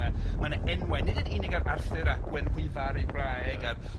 Ma' ma' 'na enwau, nid yn unig ar Arthur a Gwenhwyfar ei wraig a'r... Ia.